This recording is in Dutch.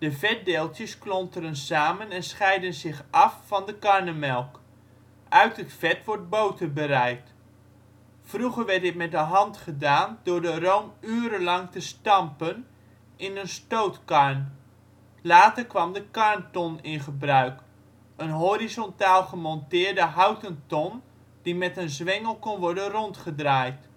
vetdeeltjes klonteren samen en scheiden zich af van de karnemelk. Uit het vet wordt boter bereid. Vroeger werd dit met de hand gedaan door de room urenlang te stampen in een stootkarn. Later kwam de karnton in gebruik: een horizontaal gemonteerde houten ton die met een zwengel kon worden rondgedraaid